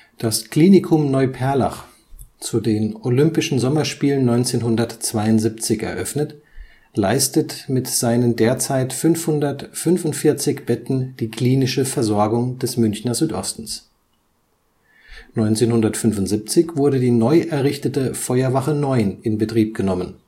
Das Klinikum Neuperlach, zu den Olympischen Sommerspielen 1972 eröffnet, leistet mit seinen derzeit 545 Betten die klinische Versorgung des Münchner Südostens. 1975 wurde die neu errichtete Feuerwache 9 in Betrieb genommen